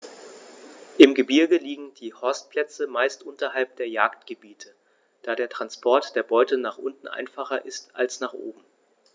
Im Gebirge liegen die Horstplätze meist unterhalb der Jagdgebiete, da der Transport der Beute nach unten einfacher ist als nach oben.